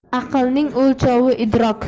aqlning o'lchovi idrok